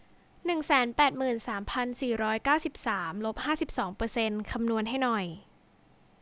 หนึ่งแสนแปดหมื่นสามพันสี่ร้อยเก้าสิบสามลบห้าสิบสองเปอร์เซนต์คำนวณให้หน่อย